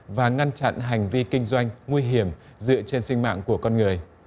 và ngăn chặn hành vi kinh doanh nguy hiểm dựa trên sinh mạng của con người